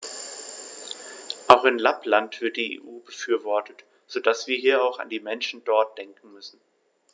Auch in Lappland wird die EU befürwortet, so dass wir hier auch an die Menschen dort denken müssen.